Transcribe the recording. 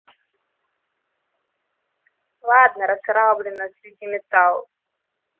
ладно расслаблено среди металл